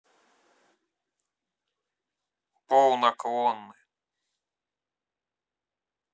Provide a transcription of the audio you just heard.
пол наклонный